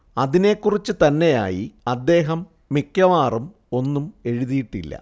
അതിനെക്കുറിച്ച് തന്നെയായി അദ്ദേഹം മിക്കവാറും ഒന്നും എഴുതിയിട്ടില്ല